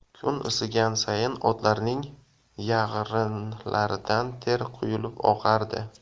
kun isigan sayin otlarning yag'rinlaridan ter quyilib oqardi